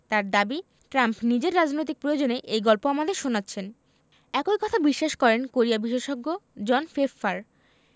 তাঁর দাবি ট্রাম্প নিজের রাজনৈতিক প্রয়োজনে এই গল্প আমাদের শোনাচ্ছেন একই কথা বিশ্বাস করেন কোরিয়া বিশেষজ্ঞ জন ফেফফার